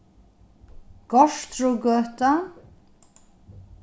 gortrugøta